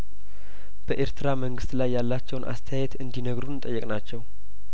በኤርትራ መንግስት ላይ ያላቸውን አስተያየት እንዲ ነግሩን ጠየቅ ናቸው